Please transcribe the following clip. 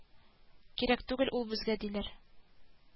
Йә, ничек анда портретта?